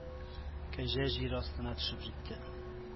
Кәҗә җир астына төшеп җитте